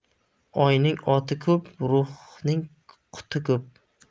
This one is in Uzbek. oyning oti ko'p ruhning quti ko'p